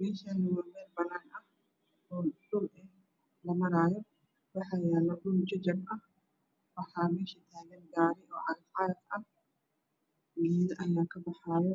Meeshaani waa meel banaan ah dhul ah oo la maraayo waxaa yaalo cagafcagaf meedad ayaa ka baxayo